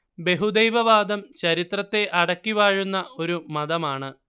ബഹുദൈവവാദം ചരിത്രത്തെ അടക്കി വാഴുന്ന ഒരു മതമാണ്